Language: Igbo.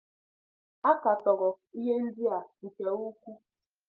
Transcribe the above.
A katọrọ ihe ndị a nke ukwuu.